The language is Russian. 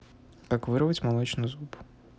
как вырвать молочный зуб